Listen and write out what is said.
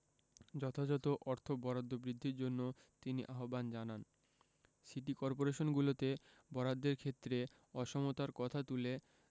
যথাযথ অর্থ বরাদ্দ বৃদ্ধির জন্য তিনি আহ্বান জানান সিটি করপোরেশনগুলোতে বরাদ্দের ক্ষেত্রে অসমতার কথা তুলে